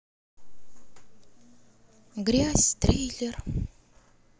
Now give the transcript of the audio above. грязь трейлер